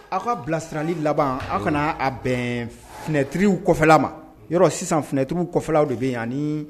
Aw ka bilasirali laban aw kana a bɛn finɛtiriwfɛlaw ma yɔrɔ sisan funɛttiriurufɛlalaw de bɛ yan